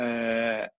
yy